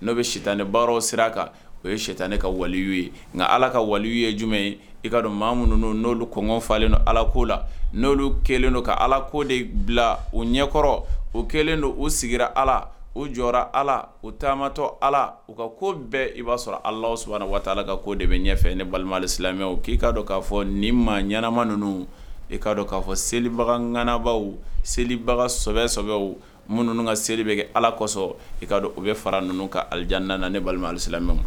N'o bɛ sitan ne baara sira a kan o ye si tan ne ka waliw ye nka ala ka waliw ye jumɛn ye i ka maa minnu n'oolu kɔnɔn falenlen don ala ko la n'oolu kɛlen don ka ala ko de bila u ɲɛkɔrɔ o kɛlen don u sigira ala o jɔra ala u taamatɔ ala u ka ko bɛɛ i b'a sɔrɔ ala s waa ala ka ko de bɛ ɲɛfɛ ne balimasilamɛ o k'i kaa dɔn k'a fɔ ni maa ɲanama ninnu i kaa dɔn k'a fɔ selibagaganabaa selibagabɛw minnu ka seli bɛ kɛ ala kosɔn i ka u bɛ fara ninnu ka alijan ni balimasimɛma